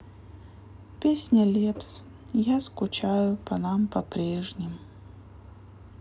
песня лепс я скучаю по нам по прежним